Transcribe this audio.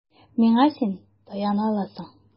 Миңа син таяна аласың.